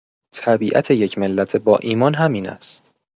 طبیعت یک ملت با ایمان همین است!